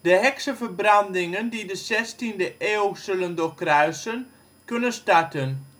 heksenverbrandingen die de zestiende eeuw zullen doorkruisen, kunnen starten